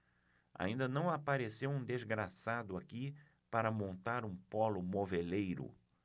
ainda não apareceu um desgraçado aqui para montar um pólo moveleiro